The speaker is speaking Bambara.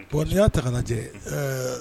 Bɔn n y'a ta ka lajɛ ɛɛ